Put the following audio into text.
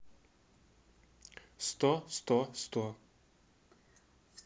сто сто сто